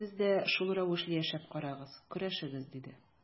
Сез дә шул рәвешле яшәп карагыз, көрәшегез, диде.